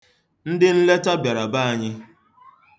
Ndị nleta bịara be anyị.